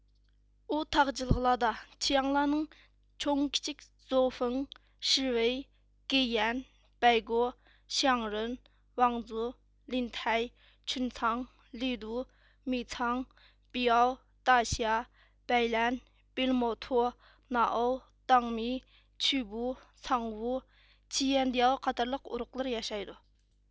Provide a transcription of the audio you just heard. ئۇ تاغ جىلغىلاردا چياڭلارنىڭ چوڭ كىچىك زوفېڭ شىۋېي گېيەن بەيگو شياڭرېن ۋاڭزۇ لىنتەي چۈنساڭ لىدۇ مىساڭ بىياۋ داشيا بەيلەن بىلىموتۇ نائوۋ داڭمى چۈبۇ ساڭۋۇ چيەندىياۋ قاتارلىق ئۇرۇقلىرى ياشايدۇ